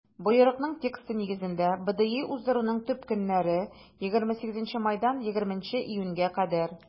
Боерыкның тексты нигезендә, БДИ уздыруның төп көннәре - 28 майдан 20 июньгә кадәр.